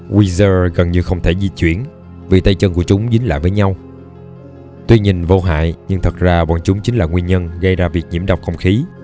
wheezer gần như không thể di chuyển vì tay chân của chúng dính lại với nhau tuy nhìn vô hại nhưng thật ra bọn chúng chính là nguyên nhân gây ra việc nhiễm độc không khí